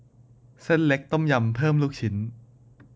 เส้นเล็กต้มยำเพิ่มลูกชิ้น